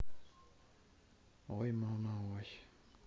ой мама ой